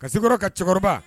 Ka sekɔrɔ ka cɛkɔrɔba